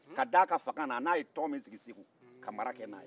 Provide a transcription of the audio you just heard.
ka d'a ka fanga na an'a ye tɔn min sigi segu ka mara kɛ n'a ye